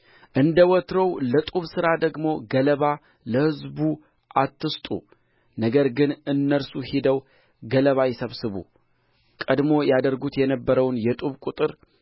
እንደ ወትሮው ለጡብ ሥራ ደግሞ ገለባ ለሕዝቡ አትስጡ ነገር ግን እነርሱ ሄደው ገለባ ይሰብስቡ ቀድሞ ያደርጉት የነበረውን የጡብ ቍጥር